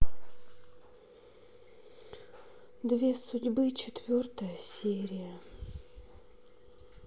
две судьбы четвертая серия